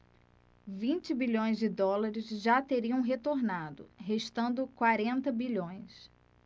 vinte bilhões de dólares já teriam retornado restando quarenta bilhões